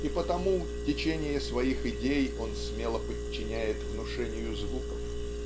И потому течение своих идей он смело подчиняет внушению звуков